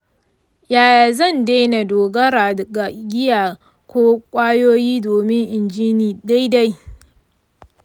yaya zan daina dogara ga giya ko ƙwayoyi domin in ji ni daidai?